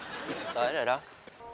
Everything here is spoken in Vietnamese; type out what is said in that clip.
tới rồi đó